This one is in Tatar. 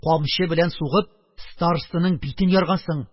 Камчы белән сугып, старостаның битен яргансың.